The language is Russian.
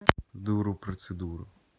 duru процедуру